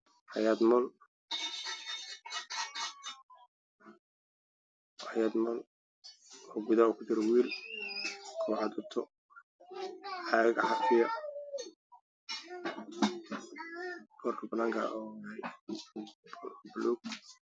Waa supermarket waxaa yaalo alaab farabadan oo